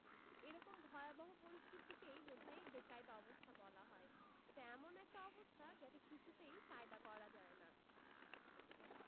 এরকম ভয়াবহ পরিস্থিতিকেই বোধ হয় বেকায়দা অবস্থা বলা হয় এটা এমন একটা অবস্থা যাকে কিছুতেই কায়দা করা যায় না